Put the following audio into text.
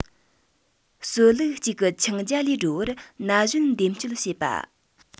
སྲོལ ལུགས གཅིག གི འཆིང རྒྱ ལས སྒྲོལ བར ན གཞོན འདེམས སྤྱོད བྱེད པ